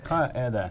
hva er det?